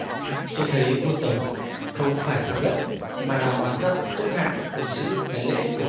tôi thấy vua tống không phải tham đất mà là oán giận túc hạ không giữ cái lễ của